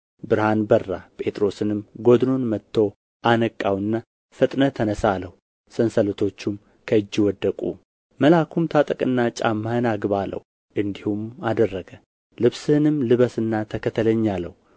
ብርሃን በራ ጴጥሮስንም ጎድኑን መትቶ አነቃውና ፈጥነህ ተነሣ አለው ሰንሰለቶቹም ከእጁ ወደቁ መልአኩም ታጠቅና ጫማህን አግባ አለው እንዲሁም አደረገ ልብስህንም ልበስና ተከተለኝ አለው